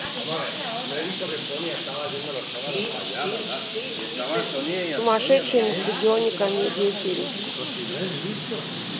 сумасшедшие на стадионе комедия фильм